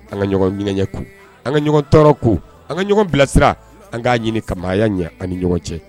An ka ɲɔgɔn ɲ ko an ka ɲɔgɔn tɔɔrɔ ko an ka ɲɔgɔn bilasira an k'a ɲini ka maaya ɲɛ an ni ɲɔgɔn cɛ